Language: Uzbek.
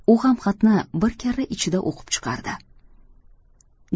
u ham xatni bir karra ichida o'qib chiqardi